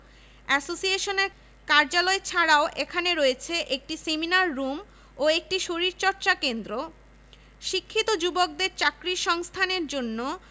যেটি কেন্দ্রীয় গ্রন্থাগারের একটি শাখা বিজ্ঞান জীববিজ্ঞান ও ফার্মেসি অনুষদের ছাত্রছাত্রী শিক্ষক ও গবেষকগণ এটি ব্যবহার করে থাকেন